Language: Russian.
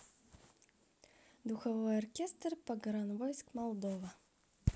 духовой оркестр погранвойск молдова